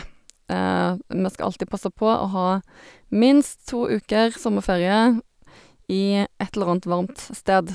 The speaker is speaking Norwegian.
Vi skal alltid passe på å ha minst to uker sommerferie i et eller annet varmt sted.